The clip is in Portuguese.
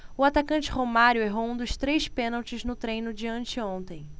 o atacante romário errou um dos três pênaltis no treino de anteontem